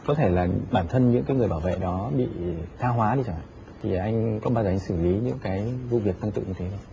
có thể là bản thân những người bảo vệ đó bị tha hóa đi chẳng hạn thì anh có bao giờ anh xử lí những cái vụ việc tương tự như thế không